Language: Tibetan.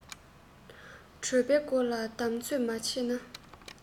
གྲོད པའི སྒོ ལ བསྡམ ཚོད མ བྱས ན